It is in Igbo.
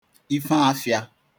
ifeafịa